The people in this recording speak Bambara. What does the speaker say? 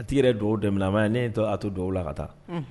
A tigi yɛrɛ dugawu dɛmɛ a ma ne to a to dugawu la ka taa